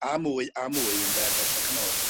a mwy a mwy ynde bellach yn ôl